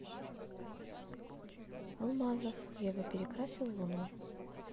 алмазов я бы перекрасил луну